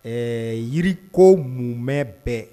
Ɛɛ yiriko mun mɛn bɛɛ